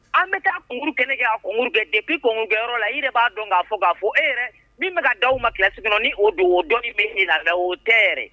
An bɛ ta concours bɛɛ bɛ kɛ ka concours bɛɛ dépuis concours kɛ yɔrɔ la i yɛrɛ b'a dɔn ka fɔ ka fɔ e yɛrɛ min be ka d'aw ma classe kɔnɔ ni o don o doɔnni bɛ e la mais o tɛ yɛrɛ